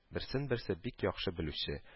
Берсен - берсе бик яхшы белүче